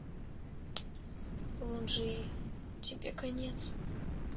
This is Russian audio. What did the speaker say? лун жии тебе конец